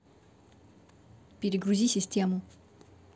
перегрузи систему